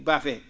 baafe hee